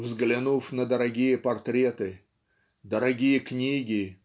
взглянув на дорогие портреты дорогие книги